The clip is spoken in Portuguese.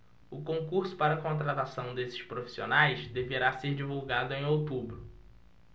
o concurso para contratação desses profissionais deverá ser divulgado em outubro